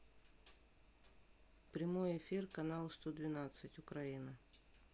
прямой эфир канала сто двенадцать украина